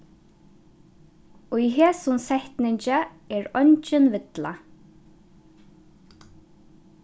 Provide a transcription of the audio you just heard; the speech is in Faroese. í hesum setningi er eingin villa